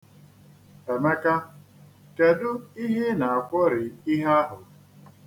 Emeka, kedu ihe i na-akwọri ihe ahụ?